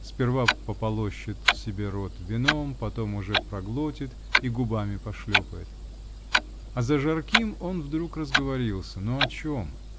сперва пополощет себе рот вином, потом уже проглотит и губами пошлепает А за жарким он вдруг разговорился -- но о чем?